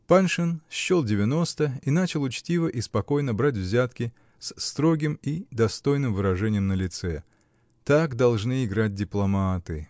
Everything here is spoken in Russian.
Паншин счел девяносто и начал учтиво и спокойно брать взятки, с строгим и достойным выражением на лице. Так должны играть дипломаты